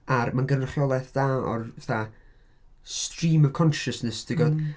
A'r mae o'n gynrychiolaeth dda o'r fatha stream of consciousness tibod.